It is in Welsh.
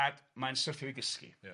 ac ma'n syrthio i gysgu... Ia...